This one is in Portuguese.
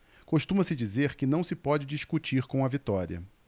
costuma-se dizer que não se pode discutir com a vitória